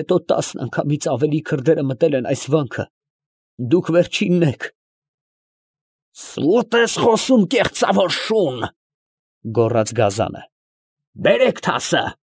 Հետո տասն անգամից ավելի քրդերը մտել են այս վանքը… դուք վերջինն եք…։ ֊ Սո՛ւտ ես խոսում, կեղծավոր շո՛ւն, ֊ գոռաց գազանը. ֊ բերե՛ք թասը։